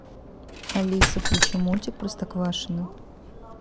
алиса включи мультик простоквашино